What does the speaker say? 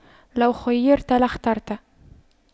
لو خُيِّرْتُ لاخترت